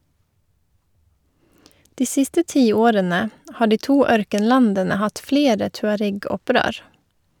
De siste tiårene har de to ørkenlandene hatt flere tuareg-opprør.